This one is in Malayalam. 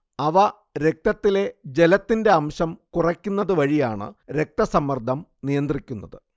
അവ രക്തത്തിലെ ജലത്തിന്റെ അംശം കുറയ്ക്കുന്നത് വഴിയാണ് രക്തസമ്മർദ്ദം നിയന്ത്രിക്കുന്നത്